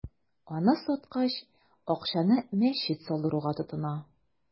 Аны саткан акчаны мәчет салдыруга тотына.